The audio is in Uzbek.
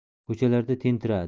ko'chalarda tentiradi